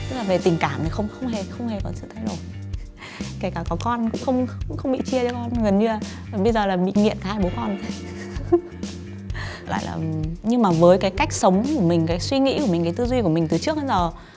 tức là về tình cảm không không hề không hề có sự thay đổi kể cả có con cũng không bị chia gần như là bây giờ bị nghiện hai bố con lại là nhưng mà với cái cách sống mình suy nghĩ của mình để tư duy của mình từ trước đến giờ